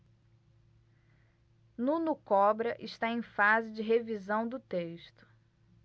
nuno cobra está em fase de revisão do texto